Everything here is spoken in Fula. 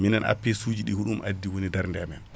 minen APS suji ɗi ko ɗum addi woni darde amen